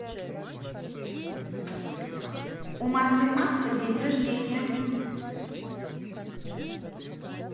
у master макса день рождения